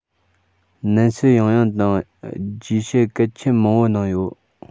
ནན བཤད ཡང ཡང དང རྒྱས བཤད གལ ཆེན མང པོ གནང ཡོད